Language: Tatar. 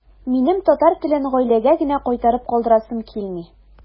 Минем татар телен гаиләгә генә кайтарып калдырасым килми.